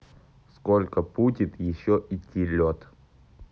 сколько путит еще идти лед